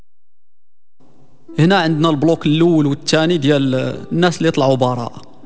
هنا عندنا البلوك الاول والثاني الناس يطلعوا زهراء